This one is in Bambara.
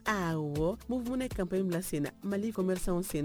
Ayiwa munun ne kanp in bila senna mali kɔni bɛ sen